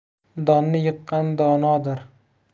donni yiqqan donodir